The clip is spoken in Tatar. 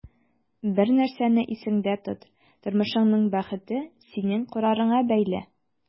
Бер нәрсәне исеңдә тот: тормышыңның бәхете синең карарыңа бәйле.